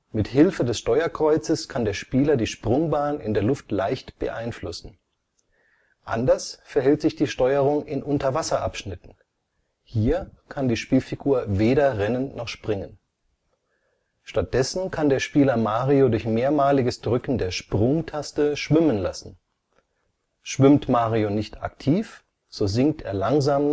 Mithilfe des Steuerkreuzes kann der Spieler die Sprungbahn in der Luft leicht beeinflussen. Anders verhält sich die Steuerung in Unterwasser-Abschnitten. Hier kann die Spielfigur weder rennen noch springen. Stattdessen kann der Spieler Mario durch mehrmaliges Drücken der Sprung-Taste schwimmen lassen. Schwimmt Mario nicht aktiv, so sinkt er langsam